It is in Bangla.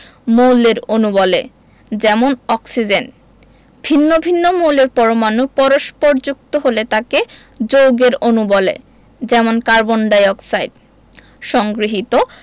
মৌলের অণু বলে যেমন অক্সিজেন ভিন্ন ভিন্ন মৌলের পরমাণু পরস্পর যুক্ত হলে তাকে যৌগের অণু বলে যেমন কার্বন ডাই অক্সাইড সংগৃহীত